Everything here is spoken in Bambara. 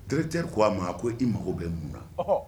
Bereteri ko a ma ko i mago bɛ mun na